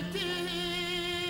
Tɛ